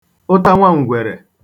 ụtanwaǹgwère